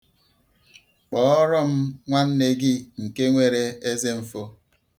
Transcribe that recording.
Kpọọrọ m nwanne gị nke nwere ezemfo.